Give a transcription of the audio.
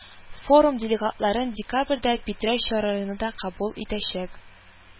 Форум делегатларын декабрьдә Питрәч районы да кабул итәчәк